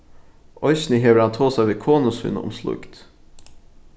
eisini hevur hann tosað við konu sína um slíkt